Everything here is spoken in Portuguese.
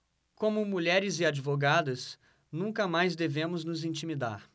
como mulheres e advogadas nunca mais devemos nos intimidar